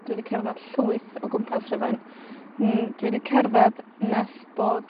Dwi 'di cerddad llwyth o gwmpas Rhufain. N- dwi 'di cerddad nes bod